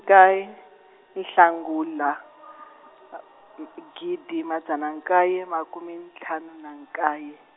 nkaye, Nhlangula , gidi madzana nkaye makhume ntlhanu na nkaye.